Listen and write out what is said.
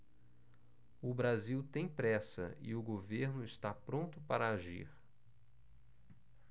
o brasil tem pressa e o governo está pronto para agir